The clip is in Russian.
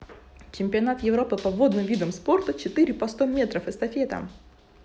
чемпионат европы по водным видам спорта четыре по сто метров эстафета